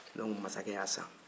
dɔnku masakɛ y'a san